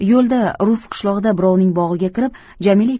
yo'lda rus qishlog'ida birovning bog'iga kirib